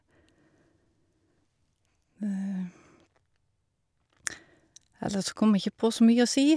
Ellers så kommer jeg ikke på så mye å si.